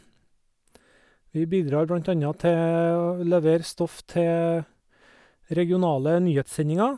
Vi bidrar blant anna til å levere stoff til regionale nyhetssendinger.